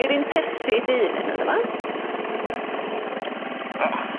Eirin perthi dyn yn enw fo. Ych.